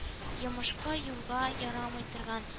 Йомышка-юлга ярамый торган